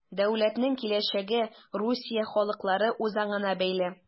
Дәүләтнең киләчәге Русия халыклары үзаңына бәйле.